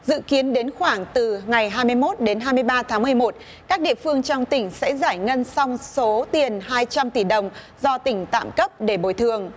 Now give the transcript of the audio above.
dự kiến đến khoảng từ ngày hai mươi mốt đến hai mươi ba tháng mười một các địa phương trong tỉnh sẽ giải ngân xong số tiền hai trăm tỷ đồng do tỉnh tạm cấp để bồi thường